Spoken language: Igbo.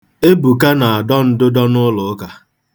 Ebuka na-adọ ndụdọ n'ụlọụka.